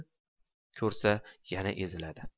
ko'rsa yana eziladi